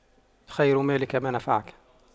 خير مالك ما نفعك